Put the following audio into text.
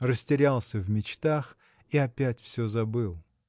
растерялся в мечтах и опять все забыл.